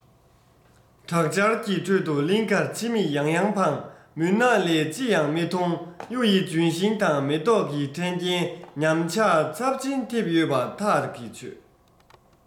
དྲག ཆར གྱི ཁྲོད དུ གླིང གར ཕྱིར མིག ཡང ཡང འཕངས མུན ནག ལས ཅི ཡང མི མཐོང གཡུ ཡི ལྗོན ཤིང དང མེ ཏོག གི ཕྲ རྒྱན ཉམས ཆག ཚབས ཆེན ཐེབས ཡོད པ ཐག གིས ཆོད